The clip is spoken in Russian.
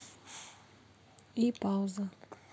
и пауза